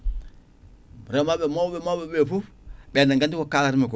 reemoɓe mawɓe mawɓe ɓe foof ɓenne gandi ko kalatmi ko